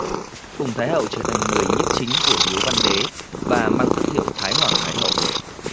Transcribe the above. phùng thái hậu trở thành người nhiếp chính của hiếu văn đế và mang tước hiệu thái hoàng thái hậu